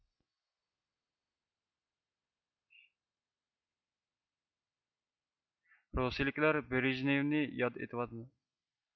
روسىيىلىكلەر بېرېژنېۋنى ياد ئېتىۋاتىدۇ